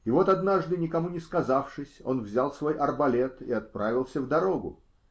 И вот однажды, никому не сказавшись, он взял свой арбалет и отправился в дорогу.